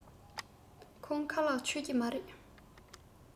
ཁོང ཁ ལག མཆོད ཀྱི མ རེད པས